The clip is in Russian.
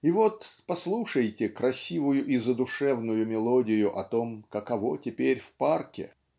и вот послушайте красивую и задушевную мелодию о том, каково теперь в парке